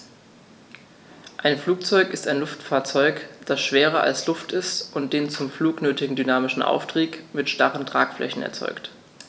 Ein Flugzeug ist ein Luftfahrzeug, das schwerer als Luft ist und den zum Flug nötigen dynamischen Auftrieb mit starren Tragflächen erzeugt.